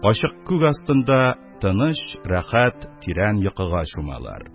Ачык күк астында тыныч, рәхәт, тирән йокыга чумалар.